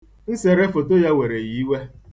Nsere foto ya were ya iwe.